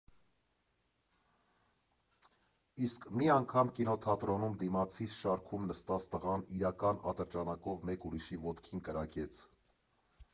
Իսկ մի անգամ կինոթատրոնում դիմացիս շարքում նստած տղան իրական ատրճանակով մեկ ուրիշի ոտքին կրակեց։